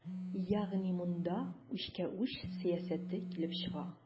Ягъни монда үчкә-үч сәясәте килеп чыга.